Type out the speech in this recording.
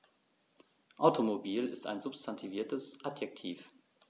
Automobil ist ein substantiviertes Adjektiv.